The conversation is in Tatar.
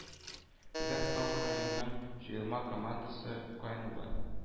Түбән Кама районының җыелма командасы Каенлы,